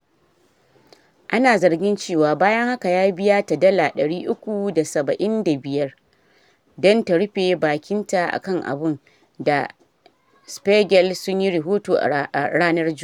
Ana zargin cewa bayan haka ya biya ta dala 375,000 dan ta rufe bakin ta akan abun, Der Spiegel sun yi rihoto ranar Jumma’a.